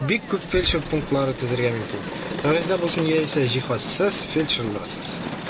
Бик күп фельдшер пунктлары төзергә мөмкин (кәгазьдә булсын яисә җиһазсыз, фельдшерларсыз).